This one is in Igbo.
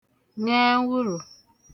ṅị ẹwụ̀rụ̀